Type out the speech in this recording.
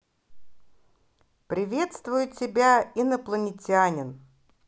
приветствую тебя инопланетянин